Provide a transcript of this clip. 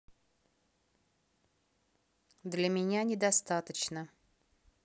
для меня недостаточно